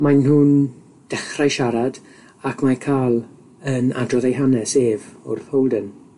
Mae nhw'n dechrau siarad, ac mae Carl yn adrodd eu hanes ef wrth Holden,